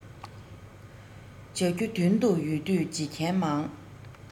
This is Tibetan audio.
བྱ རྒྱུ མདུན དུ ཡོད དུས བྱེད མཁན མང